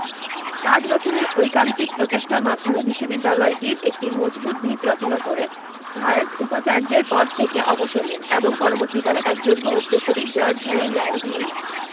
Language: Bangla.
পাঁচ বছরের ঐকান্তিক প্রচেষ্টার মাধ্যমে বিশ্ববিদ্যালয়টির একটি মজবুত ভিত রচনা করে হার্টগ উপাচার্যের পদ থেকে অবসর নেন এবং পরবর্তীকালে তাঁর যোগ্য উত্তরসূরি জর্জ হ্যারি ল্যাংলি